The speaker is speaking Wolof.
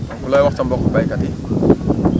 donc looy wax sa mbokku béykat yi